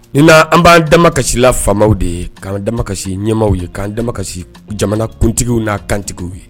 Nin na an b'an dama kasila faamaw de ye, k'an damakasisi ɲɛmaaw ye k'an damakasi jamanakuntigiw n'a kantigiw ye